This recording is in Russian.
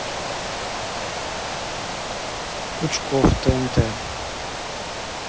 пучков тнт